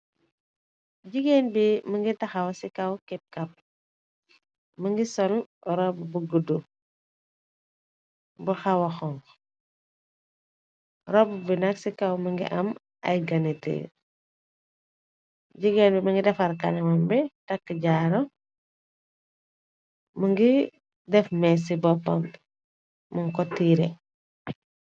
Jigéen bi më ngi taxawa ci kaw kep kap më ngi son rob bu guddu bu xawaxon rob bi nag ci kaw më ngi am ay ganitr jigeen bi më ngi defar kanemam bi takk jaara më ngi def mees ci boppam mën ko tiire.